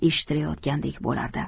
eshitilayotgandek bo'lardi